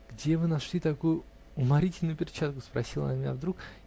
"Где вы нашли такую уморительную перчатку?" -- спросила она меня вдруг